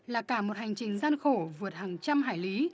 là cả một hành trình gian khổ vượt hàng trăm hải lý